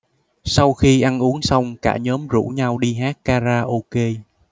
sau khi ăn uống xong cả nhóm rủ nhau đi hát karaoke